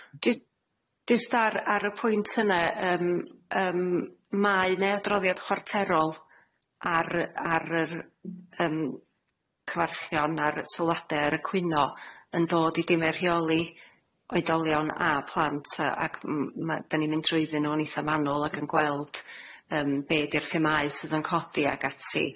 Dwi, j- jyst ar ar y pwynt yne yym yym mae neu' adroddiad chwarterol ar yy ar yr yym cyfarchion ar sylwade ar y cwyno yn dod i dimau rheoli oedolion a plant yy ac m- ma' dyn ni'n mynd trwydd y nw yn eitha manwl ac yn gweld yym be di'r themau sydd yn codi ag ati.